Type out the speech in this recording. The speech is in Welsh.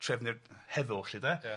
trefnu'r heddwch lly de. Ia.